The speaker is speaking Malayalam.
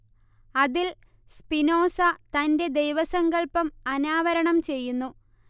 അതിൽ സ്പിനോസ തന്റെ ദൈവസങ്കല്പം അനാവരണം ചെയ്യുന്നു